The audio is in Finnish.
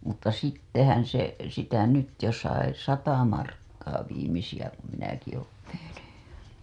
mutta sittenhän se sitä nyt jo sai sata markkaa viimeisiä kun minäkin olen tehnyt